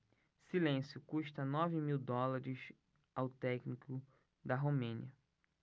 silêncio custa nove mil dólares ao técnico da romênia